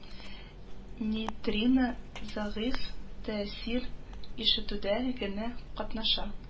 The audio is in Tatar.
Нейтрино зәгыйфь тәэсир итешүдә генә катнаша